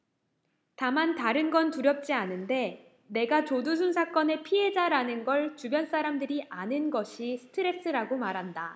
다만 다른 건 두렵지 않은데 내가 조두순 사건의 피해자라는 걸 주변 사람들이 아는 것이 스트레스라고 말한다